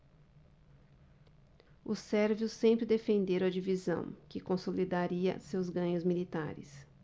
os sérvios sempre defenderam a divisão que consolidaria seus ganhos militares